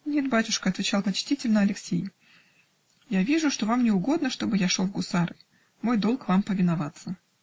"-- "Нет, батюшка, -- отвечал почтительно Алексей, -- я вижу, что вам не угодно, чтоб я шел в гусары мой долг вам повиноваться".